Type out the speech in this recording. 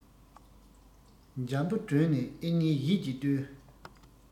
འཇམ པོ བསྒྲོན ནས ཨེ མཉེས ཡིད ཀྱིས ལྷོས